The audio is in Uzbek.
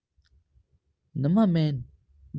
nima men dedim